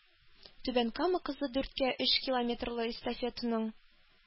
Түбән Кама кызы дүрткә өч километрлы эстафетаның